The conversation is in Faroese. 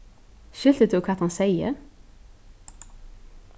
skilti tú hvat hann segði